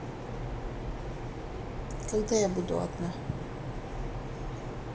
когда я буду одна